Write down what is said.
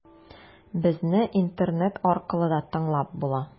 Безне интернет аркылы да тыңлап була.